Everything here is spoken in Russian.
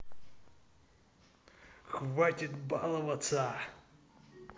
хватит баловаться